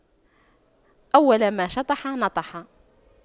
أول ما شطح نطح